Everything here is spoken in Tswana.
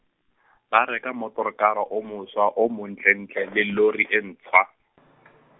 ba reka motorokara o moswa o montlentle le lori e ntshwa .